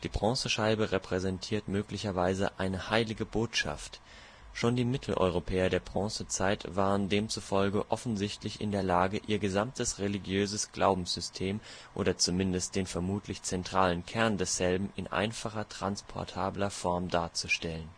Bronzescheibe repräsentiert möglicherweise eine heilige Botschaft. Schon die Mitteleuropäer der Bronzezeit waren demzufolge offensichtlich in der Lage, ihr gesamtes religiöses Glaubenssystem, oder zumindest den vermutlich zentralen Kern desselben, in einfacher, transportabler Form darzustellen